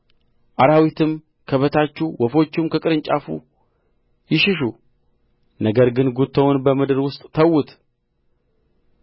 አራዊትም ከበታቹ ወፎቹም ከቅርንጫፉ ይሽሹ ነገር ግን ጉቶውን በምድር ውስጥ ተዉት